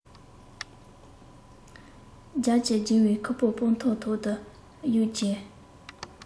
རྒྱབ གྱི ལྕི བའི ཁུར པོ སྤང ཐང ཐོག ཏུ གཡུགས རྗེས